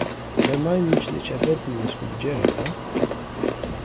var meiningin ikki at børnini skuldu gera hatta